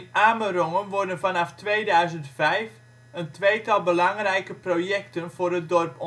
Amerongen worden vanaf 2005 een tweetal belangrijke projecten voor het dorp